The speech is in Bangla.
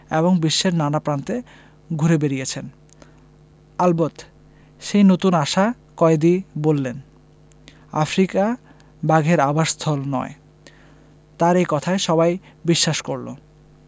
এবং বিশ্বের নানা প্রান্তে ঘুরে বেড়িয়েছেন আলবত সেই নতুন আসা কয়েদি বললেন আফ্রিকা বাঘের আবাসস্থল নয় তাঁর এ কথায় সবাই বিশ্বাস করল